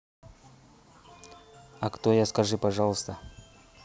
а кто я скажи пожалуйста